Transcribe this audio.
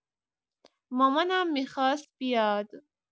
مامانمم می‌خواست بیاد.